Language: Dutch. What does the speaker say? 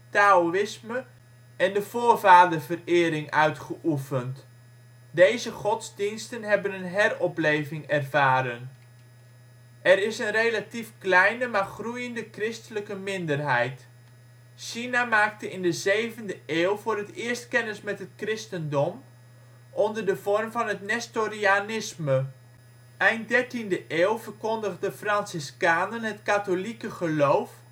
taoïsme en de voorvaderverering uitgeoefend. Deze godsdiensten hebben een heropleving ervaren. Er is een relatief kleine maar groeiende christelijke minderheid. China maakte in de 7e eeuw voor het eerst kennis met het christendom onder de vorm van het nestorianisme. Eind 13e eeuw verkondigden Franciscanen het katholieke geloof